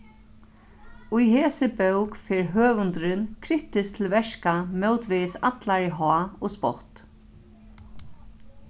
í hesi bók fer høvundurin kritiskt til verka mótvegis allari háð og spott